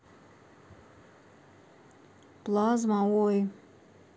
plazma ой